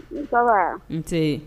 N nse